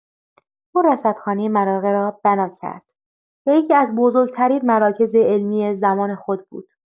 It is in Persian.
او رصدخانه مراغه را بنا کرد که یکی‌از بزرگ‌ترین مراکز علمی زمان خود بود.